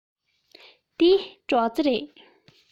འདི སྒྲོག རྩེ རེད